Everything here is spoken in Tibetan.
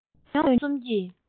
མཐོས ཐོས མྱོང གསུམ གྱི